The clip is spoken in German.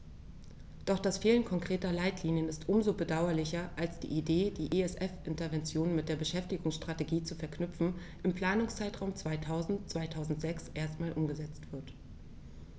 Doch das Fehlen konkreter Leitlinien ist um so bedauerlicher, als die Idee, die ESF-Interventionen mit der Beschäftigungsstrategie zu verknüpfen, im Planungszeitraum 2000-2006 erstmals umgesetzt wird.